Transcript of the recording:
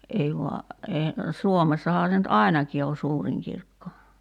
ei vain ei Suomessahan se nyt ainakin on suurin kirkko